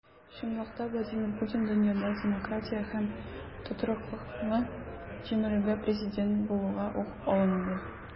Чынлыкта Владимир Путин дөньяда демократия һәм тотрыклылыкны җимерүгә президент булуга ук алынды.